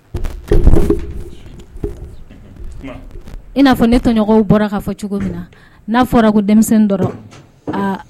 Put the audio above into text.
I na fɔ ne tɔɲɔgɔnw bɔra k fɔ cogo min na fɔra ko denmisɛn